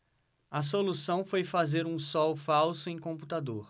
a solução foi fazer um sol falso em computador